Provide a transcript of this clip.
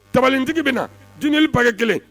Tatigi bɛ na dili pakɛ kelen